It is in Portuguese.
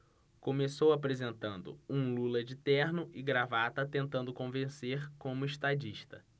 começou apresentando um lula de terno e gravata tentando convencer como estadista